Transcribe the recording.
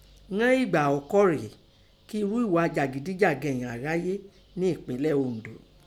Inán ghí ẹ̀gbà àọ́kọ́ rèé kí inrú ẹ̀ghà jàgídíjàgan ìnín á háyé nẹ ẹ̀pínlẹ̀ Oǹdó.